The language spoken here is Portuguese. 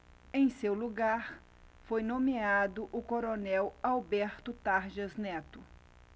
em seu lugar foi nomeado o coronel alberto tarjas neto